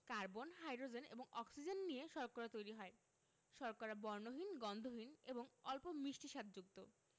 carbon hydrogen এবং oxygen নিয়ে শর্করা তৈরি হয় শর্করা বর্ণহীন গন্ধহীন এবং অল্প মিষ্টি স্বাদযুক্ত